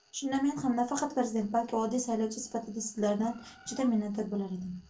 shunda men ham nafaqat prezident balki oddiy saylovchi sifatida sizlardan juda minnatdor bo'lar edim